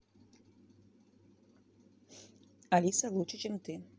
алиса лучше чем ты